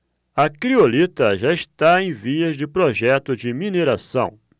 a criolita já está em vias de projeto de mineração